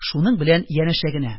Шуның белән янәшә генә.